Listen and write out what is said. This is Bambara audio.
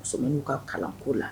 Musoman 'u ka kalanko la